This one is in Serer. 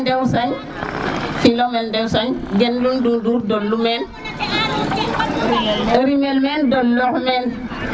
Dew Sagne Philomene Dew Sagne gen lul ndundur dolu meen rimel meen doxool men